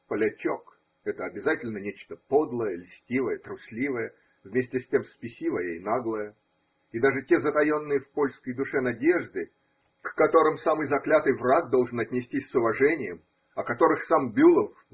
Полячок – это обязательно нечто подлое, льстивое, трусливое, вместе с тем спесивое и наглое: и даже те затаенные в польской душе надежды, к которым самый заклятый враг должен отнестись с уважением, о которых сам Бюлов.